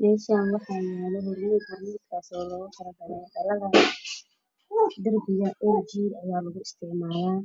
Meshan waxa yaalo hormuud hormudkaso loga tala galay dhalada darbiga aya lagu istacmalaa